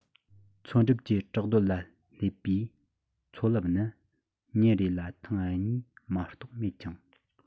མཚོ འགྲམ གྱི བྲག རྡོ ལ སླེབས པའི མཚོ རླབས ནི ཉིན རེ ལ ཐེངས གཉིས མ གཏོགས མེད ཅིང